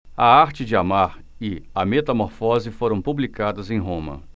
a arte de amar e a metamorfose foram publicadas em roma